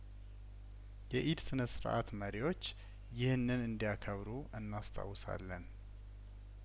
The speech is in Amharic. የኢድ ስነ ስርአት መሪዎች ይህንን እንዲ ያከብሩ እናስታውሳለን